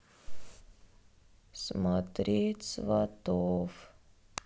смотреть сватов